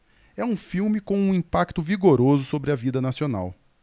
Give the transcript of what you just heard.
é um filme com um impacto vigoroso sobre a vida nacional